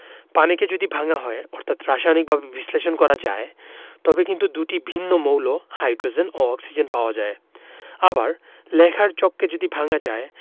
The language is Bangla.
পানিকে যদি ভাঙা হয় অর্থাৎ রাসায়নিকভাবে বিশ্লেষণ করা যায় তবে কিন্তু দুটি ভিন্ন মৌল হাইড্রোজেন ও অক্সিজেন পাওয়া যায় আবার লেখার চককে যদি ভাঙা যায়